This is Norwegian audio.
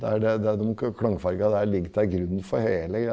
der er det det dem klangfarga der ligger til grunn for hele greia.